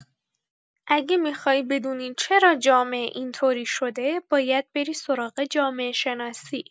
اگه می‌خوای بدونی چرا جامعه اینطوری شده، باید بری سراغ جامعه‌شناسی.